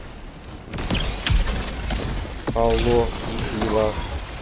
алло и fila